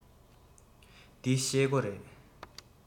འདི ཤེལ སྒོ རེད